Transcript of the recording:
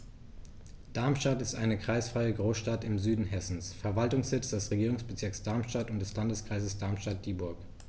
Darmstadt ist eine kreisfreie Großstadt im Süden Hessens, Verwaltungssitz des Regierungsbezirks Darmstadt und des Landkreises Darmstadt-Dieburg.